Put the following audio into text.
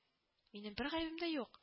— минем бер гаебем дә юк